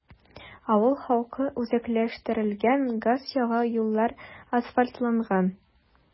Авыл халкы үзәкләштерелгән газ яга, юллар асфальтланган.